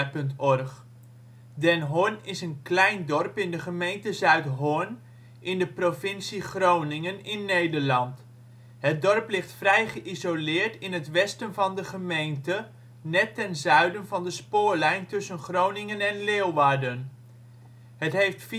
27′ OL Den Horn Plaats in Nederland Situering Provincie Groningen Gemeente Zuidhorn Coördinaten 53° 13′ NB, 6° 27′ OL Algemeen Inwoners (1 januari 2008) 425 Overig Postcode 9832 Portaal Nederland Den Horn is een klein dorp in de gemeente Zuidhorn in de provincie Groningen (Nederland). Het dorp ligt vrij geïsoleerd in het westen van de gemeente, net ten zuiden van de spoorlijn tussen Groningen en Leeuwarden. Het heeft